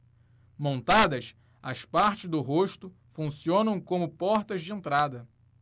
montadas as partes do rosto funcionam como portas de entrada